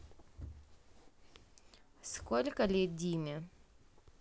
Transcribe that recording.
сколько лет диме